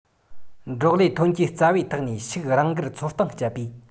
འབྲོག ལས ཐོན སྐྱེད རྩ བའི ཐོག ནས ཕྱུགས རང དགར འཚོ སྟངས སྤྱད པས